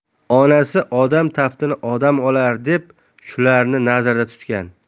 onasi odam taftini odam olar deb shularni nazarda tutgan